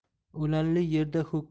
o'lanli yerda ho'kiz